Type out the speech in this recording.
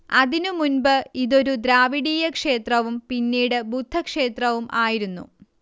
അതിനുമുൻപ് ഇതൊരു ദ്രാവിഡീയക്ഷേത്രവും പിന്നീട് ബുദ്ധക്ഷേത്രവും ആയിരുന്നു